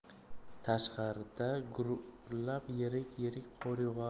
tashqarida gupillab yirik yirik qor yog'ar